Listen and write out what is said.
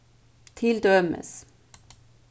til dømis